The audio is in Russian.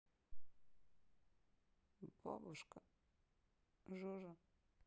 бабушка жожа